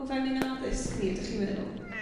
O fewn ein addysg ni ydych chi'n meddwl?